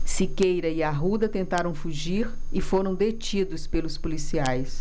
siqueira e arruda tentaram fugir e foram detidos pelos policiais